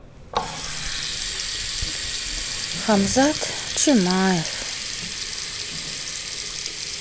хамзат чимаев